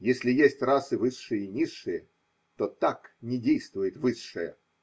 Если есть расы высшие и низшие, то т а к не действует высшая.